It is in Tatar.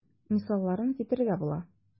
Мисалларын китерергә була.